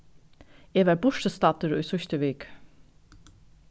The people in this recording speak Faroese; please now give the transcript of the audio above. eg var burturstaddur í síðstu viku